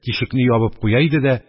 Тишекне ябып куя иде дә